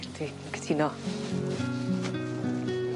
Ydi. cytuno.